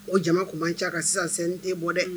O jama tun man ca ka sisansen den bɔ dɛ